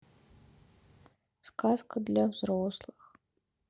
сказка для взрослых